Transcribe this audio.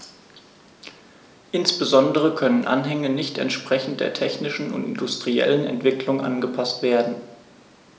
Insbesondere können Anhänge nicht entsprechend der technischen und industriellen Entwicklung angepaßt werden.